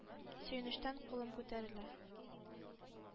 Сөенечтән кулым күтәрелә.